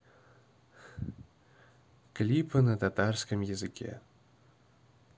клипы на татарском языке